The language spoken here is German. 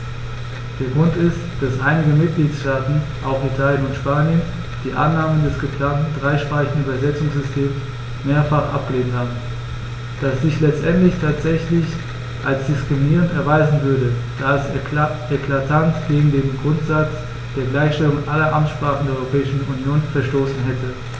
Der Grund ist, dass einige Mitgliedstaaten - auch Italien und Spanien - die Annahme des geplanten dreisprachigen Übersetzungssystems mehrfach abgelehnt haben, das sich letztendlich tatsächlich als diskriminierend erweisen würde, da es eklatant gegen den Grundsatz der Gleichstellung aller Amtssprachen der Europäischen Union verstoßen hätte.